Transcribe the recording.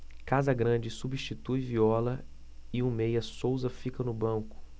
casagrande substitui viola e o meia souza fica no banco